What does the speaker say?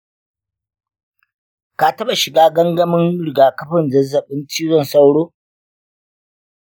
ka taɓa shiga gangamin rigakafin zazzabin cizon sauro?